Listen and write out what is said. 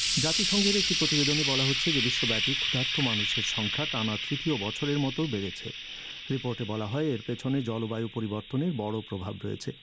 জাতিসংঘের একটি প্রতিবেদনে বলা হচ্ছে যে বিশ্বব্যাপী ক্ষুধার্ত মানুষের সংখ্যা টানা তৃতীয় বছরের মত বেড়ে চলেছে রিপোর্টে বলা হয় বলা হয় এর পেছনে জলবায়ু পরিবর্তনের বড় প্রভাব রয়েছে